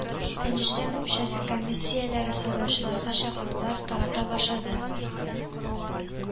Пәнҗешәмбе участок комиссияләре сайлаучыларга чакырулар тарата башлады